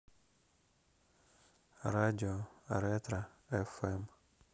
радио ретро фм